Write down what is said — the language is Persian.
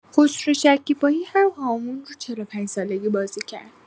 خسرو شکیبایی هم‌هامون رو ۴۵ سالگی بازی کرد.